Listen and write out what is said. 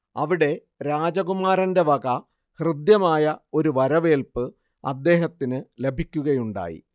അവിടെ രാജകുമാരന്റെ വക ഹൃദ്യമായ ഒരു വരവേൽപ്പ് അദ്ദേഹത്തിന് ലഭിക്കുകയുണ്ടായി